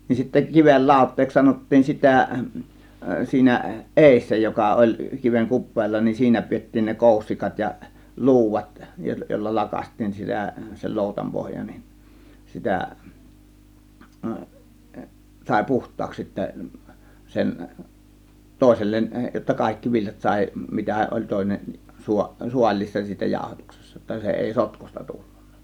niin sitten kiven lauteeksi sanottiin sitä siinä edessä joka oli kiven kupeella niin siinä pidettiin ne koussikat ja luudat joilla lakaistiin sitä sen loutan pohja niin sitä sai puhtaaksi sitten sen toiselle jotta kaikki viljat sai mitä oli toinen - saaliissa siitä jaotuksessa jotta se ei sotkuista tullut